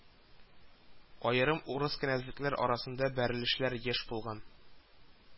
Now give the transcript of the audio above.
Аерым урыс кенәзлекләр арасында бәрелешләр еш булган